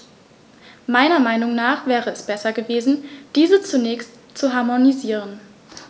Meiner Meinung nach wäre es besser gewesen, diese zunächst zu harmonisieren.